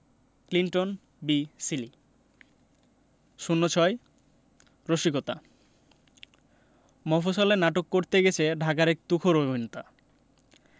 Clinton বি সিলি ০৬ রসিকতা মফশ্বলে নাটক করতে গেছে ঢাকার এক তুখোর অভিনেতা